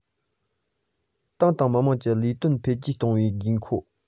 ཏང དང མི དམངས ཀྱི ལས དོན འཕེལ རྒྱས གཏོང བའི དགོས མཁོ